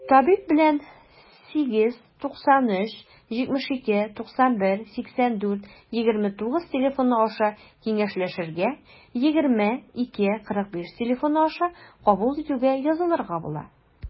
Табиб белән 89372918429 телефоны аша киңәшләшергә, 20-2-45 телефоны аша кабул итүгә язылырга була.